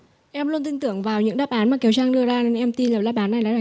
em luôn tin tưởng vào những đáp án mà kiều trang đưa ra nên em tin là đáp án này